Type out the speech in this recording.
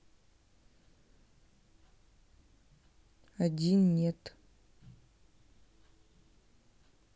один нет